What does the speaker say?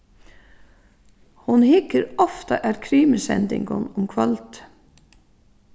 hon hyggur ofta at krimisendingum um kvøldið